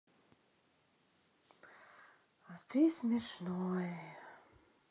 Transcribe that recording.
а ты смешной